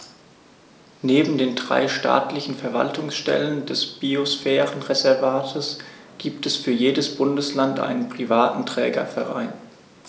Neben den drei staatlichen Verwaltungsstellen des Biosphärenreservates gibt es für jedes Bundesland einen privaten Trägerverein.